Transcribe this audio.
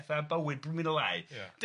Brwy'n mynd yn lai ia.